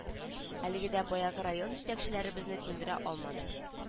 Әлеге дә баягы район җитәкчеләребезне күндерә алмадык